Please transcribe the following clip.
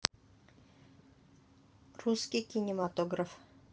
русский кинематограф